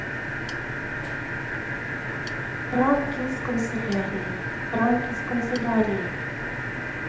пранки с канцелярией пранки с канцелярией